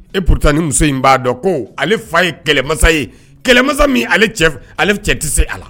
E pta ni muso in b'a dɔn ko ale fa ye kɛlɛmasa ye kɛlɛmasa min ale cɛ tɛ se a la